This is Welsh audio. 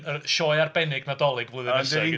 Sioe arbennig nadolig flwyddyn nesaf.